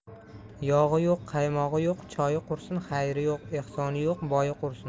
yog'i yo'q qaymog'i yo'q choyi qursin xayri yo'q ehsoni yo'q boyi qursin